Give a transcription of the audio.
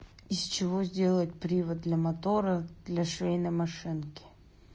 из чего сделать привод для мотора для швейной машины